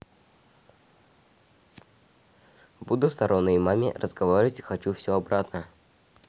буду стороной маме разговаривать хочу все обратно